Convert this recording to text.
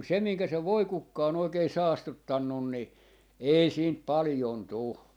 mutta sen minkä se voikukka on oikein saastuttanut niin ei siitä paljon tule